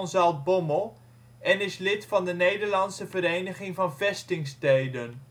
Zaltbommel), en is lid van de Nederlandse Vereniging van Vestingsteden